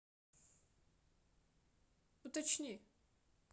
уточни